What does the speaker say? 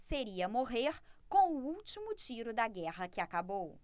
seria morrer com o último tiro da guerra que acabou